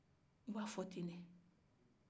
u bɛ a fɔ te de